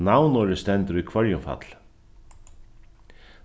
navnorðið stendur í hvørjumfalli